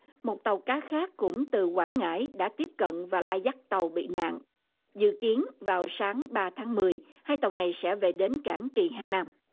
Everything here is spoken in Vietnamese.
một tàu cá khác cũng từ quảng ngãi đã tiếp cận và lai dắt tàu bị nạn dự kiến vào sáng ba tháng mười hai tàu này sẽ về đến cảng kỳ hải nam